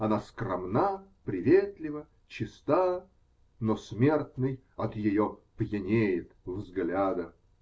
Она скромна, приветлива, чиста, Но смертный от ее пьянеет взгляда.